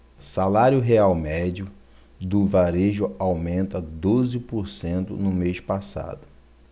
salário real médio do varejo aumenta doze por cento no mês passado